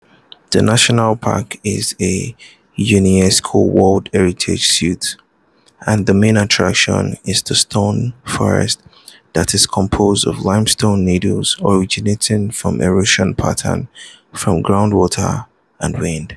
This National Park is a UNESCO World Heritage Site, and the main attraction is the stone forest that is composed of limestone needles originating from erosion patterns from groundwater and winds.